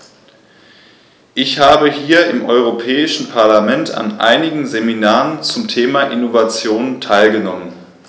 Ich habe hier im Europäischen Parlament an einigen Seminaren zum Thema "Innovation" teilgenommen.